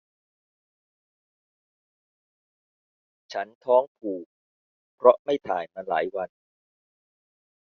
ฉันท้องผูกเพราะไม่ถ่ายมาหลายวัน